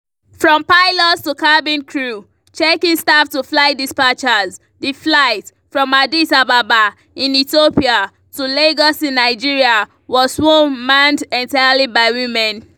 From pilots to cabin crew, check-in staff to flight dispatchers, the flight — from Addis Ababa in Ethiopia to Lagos in Nigeria — was (wo)manned entirely by women.